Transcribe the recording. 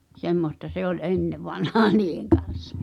semmoista se oli ennen vanhaan niiden kanssa